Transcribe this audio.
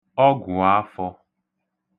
ọgwụ̀afọ̄